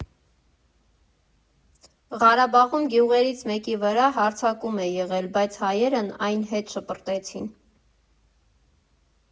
Ղարաբաղում գյուղերից մեկի վրա հարձակում է եղել, բայց հայերն այն հետ շպրտեցին։